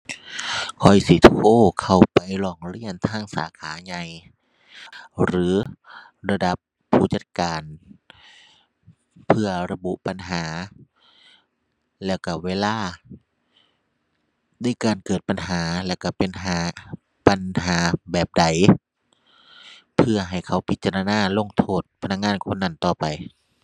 ข้อยสิโทรเข้าไปร้องเรียนทางสาขาใหญ่หรือระดับผู้จัดการ เพื่อระบุปัญหาแล้วก็เวลาในการเกิดปัญหา แล้วก็เป็นหา ปัญหาแบบใด เพื่อให้เขาพิจารณาลงโทษพนักงานคนนั้นต่อไป